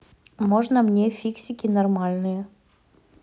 можно мне фиксики нормальные